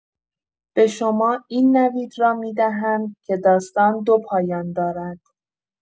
به شما این نوید را می‌دهم که داستان دو پایان دارد.